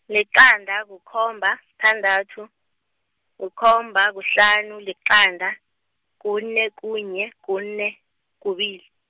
liqanda, kukhomba, sithandathu, kukhomba, kuhlanu, liqanda, kune, kunye, kune, kubili.